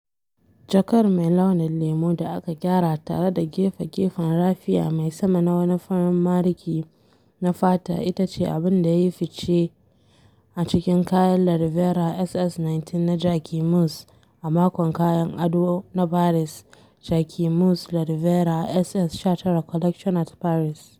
Jakar mai launin lemo, da aka gyara tare da gefe-gefen raffia mai sama na wani farin mariki na fata, ita ce abin da ya yi fice a cikin kayan La Riviera SS19 na Jacquemus a Makon Kayon Ado na Paris. Jacquemus' La Riviera SS19 collection at Paris